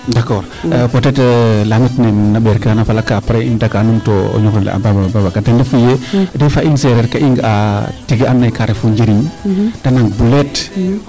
d' accord peut etre lamit ne na ɓeer na falaq kaa apres i ndaka numto ñiuxrole a Babacar te reefuye in sereer kaa i nga'a tig ando naye ka ref o njiriñ te naan buleet